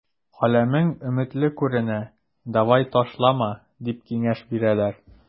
Каләмең өметле күренә, давай, ташлама, дип киңәш бирәләр.